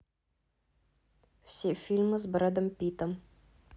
все фильмы с бредом питтом